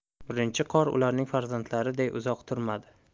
birinchi qor ularning farzandlariday uzoq turmadi